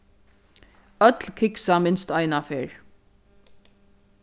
øll kiksa minst eina ferð